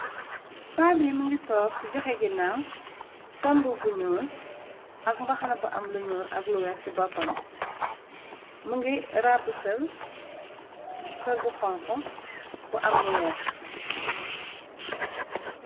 faab yi mëngi took joxe ginaaw son bu bu nuul ak mbaxana bu am lu ñuul ak lu weex ci boppam bi më ngi rabb sër bu xonko bu am lu weex